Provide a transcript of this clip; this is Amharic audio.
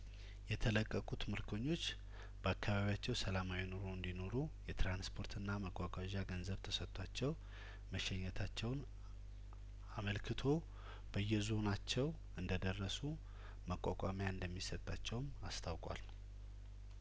የተለቀቁት ምርኮኞች በአካባቢያቸው ሰላማዊ ኑሮ እንዲኖሩ የትራንስፖርትና መጓጓዣ ገንዘብ ተሰጥቷቸው መሸኘታቸውን አመልክቶ በየዞ ናቸው እንደደረሱ መቋቋሚያ እንደሚሰጣቸውም አስታውቋል